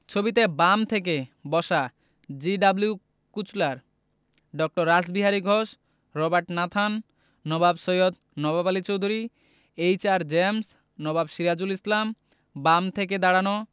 ছবিতে বাম থেকে বসা জি.ডব্লিউ. কুলচার ড. Rashbehari Ghosh Robert Nathan Nawab Syed Nawab Ali Chowdhury H R. James Nawab Sirajul Islam বাম থেকে দাঁড়ানো